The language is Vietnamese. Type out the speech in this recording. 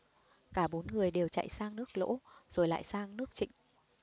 cả bốn người đều chạy sang nước lỗ rồi lại sang nước trịnh